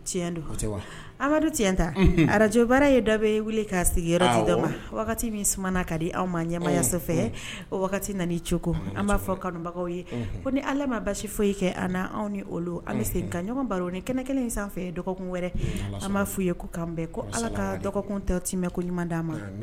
Amadu ti ta arajobaa ye dɔ bɛ wele ka sigiyɔrɔ dɔ ma wagati minumana ka di anw ma ɲɛmaya o wagati nana ceko an b'a fɔ kanubagaw ye ko ni ala ma basi foyi kɛ an anw ni olu an bɛ se ka ɲɔgɔn baro ni kɛnɛ kelen in sanfɛ dɔgɔkun wɛrɛ an ma f'u ye ko' bɛn ko ala ka dɔgɔkun ta te mɛn ko ɲuman d dian ma